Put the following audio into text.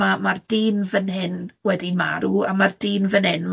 Ma' ma'r dyn fan hyn wedi marw, a ma'r dyn fan hyn